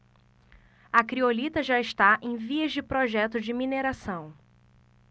a criolita já está em vias de projeto de mineração